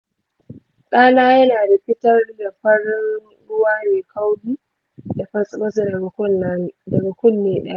ɗana yana da fitar farin ruwa mai kauri da fatsi-fatsi daga kunne ɗaya